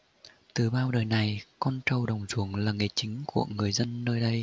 từ bao đời này con trâu đồng ruộng là nghề chính của người dân nơi đây